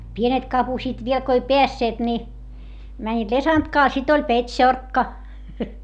pienet kapusivat vielä kun ei päässeet niin menivät lesantkaa sitten oli petsorkka